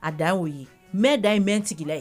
A dan y'o ye mɛ dan ye mɛ n tigila ye